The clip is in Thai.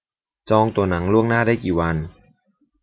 จองตั๋วหนังล่วงหน้าได้กี่วัน